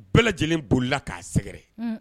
Bɛɛ lajɛlen bolila k'a sɛgɛrɛ